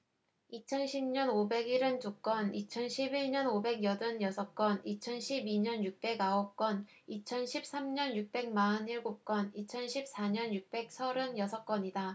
이천 십 년 오백 일흔 두 건 이천 십 일 년 오백 여든 여섯 건 이천 십 이 년 육백 아홉 건 이천 십 삼 년 육백 마흔 일곱 건 이천 십 사 년 육백 서른 여섯 건이다